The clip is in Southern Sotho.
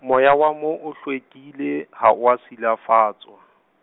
moya wa moo o hlwekile, ha o silafatswa.